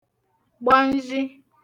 gbanzhị